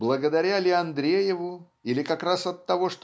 благодаря ли Андрееву или как раз оттого